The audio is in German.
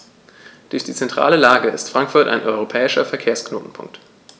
Durch die zentrale Lage ist Frankfurt ein europäischer Verkehrsknotenpunkt.